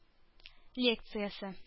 Лекциясе